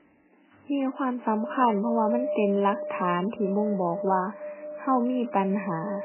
มีความสำคัญ เพราะว่ามันเป็นหลักฐานที่บ่งบอกว่าเรามีปัญหา